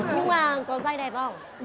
nhưng mà có dai đẹp không